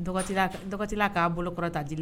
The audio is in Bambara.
Dɔgɔla k'a bolokɔrɔtaigi